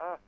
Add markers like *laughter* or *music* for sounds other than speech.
*hesitation*